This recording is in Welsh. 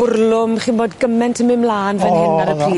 bwrlwm, chi'n bod gyment yn mynd mlan fan hyn ar y pryd do'dd?